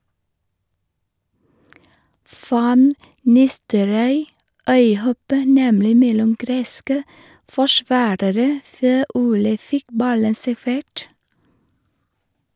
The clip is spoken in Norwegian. Van Nistelrooy øyhoppet nemlig mellom greske forsvarere, før Ole fikk ballen servert.